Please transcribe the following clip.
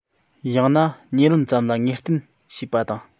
ཡང ན ཉེ ལམ ཙམ ལ ངེས གཏན བྱས པ དང